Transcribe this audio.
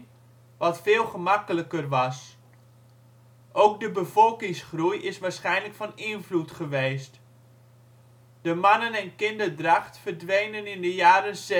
veel gemakkelijker was. Ook de bevolkingsgroei is waarschijnlijk van invloed geweest. De mannen - en kinderdracht verdwenen in de jaren